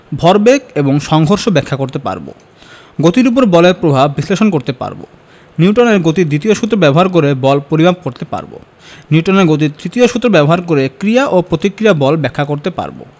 ভরবেগ এবং সংঘর্ষ ব্যাখ্যা করতে পারব গতির উপর বলের প্রভাব বিশ্লেষণ করতে পারব নিউটনের গতির দ্বিতীয় সূত্র ব্যবহার করে বল পরিমাপ করতে পারব নিউটনের গতির তৃতীয় সূত্র ব্যবহার করে ক্রিয়া ও প্রতিক্রিয়া বল ব্যাখ্যা করতে পারব